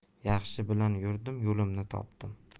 yaxshi bilan yurdim yo'limni topdim